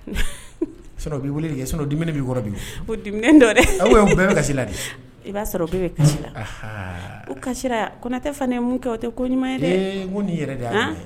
Bɛi b bɛi yɔrɔ ko bɛɛ bɛ kasi la i b'a sɔrɔ kasi la ko kasi kotɛ mun kɛ o tɛ ko ɲuman nin yɛrɛ